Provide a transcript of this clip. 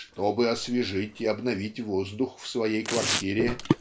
"Чтобы освежить и обновить воздух в своей квартире